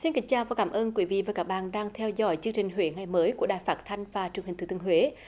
xin kính chào và cảm ơn quý vị và các bạn đang theo dõi chương trình huế ngày mới của đài phát thanh và truyền hình thừa thiên huế